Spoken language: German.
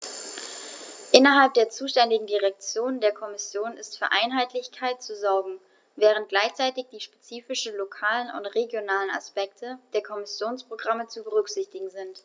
Innerhalb der zuständigen Direktion der Kommission ist für Einheitlichkeit zu sorgen, während gleichzeitig die spezifischen lokalen und regionalen Aspekte der Kommissionsprogramme zu berücksichtigen sind.